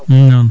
noon